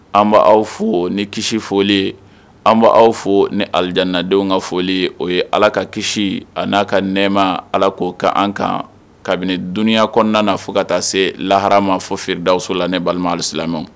An b bɛ aw fo ni kisi foli an b' aw fo ni alidinadenw ka foli o ye ala ka kisi a n'a ka nɛma ala ko ka an kan kabini dunanya kɔnɔna na fo ka taa se laharama fɔ feeredaso la ni balima alilamɛ